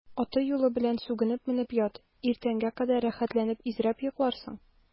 Аты-юлы белән сүгенеп менеп ят, иртәнгә кадәр рәхәтләнеп изрәп йокларсың.